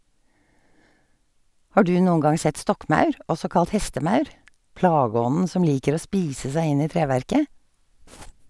Har du noen gang sett stokkmaur, også kalt hestemaur, plageånden som liker å spise seg inn i treverket?